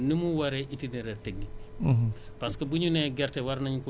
ndax baykat bi mu ngi topp ni mu waree itinéraires techniques yi